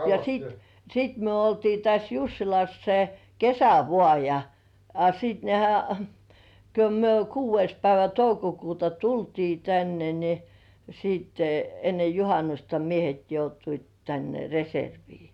ja sitten sitten me oltiin tässä Jussilassa se kesä vain ja a sitten nehän kun me kuudes päivä toukokuuta tultiin tänne niin sitten ennen juhannusta miehet joutuivat tänne reserviin